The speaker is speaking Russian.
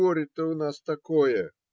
Горе-то у нас такое!